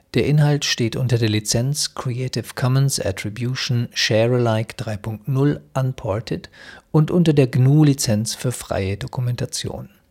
Inhalt steht unter der Lizenz Creative Commons Attribution Share Alike 3 Punkt 0 Unported und unter der GNU Lizenz für freie Dokumentation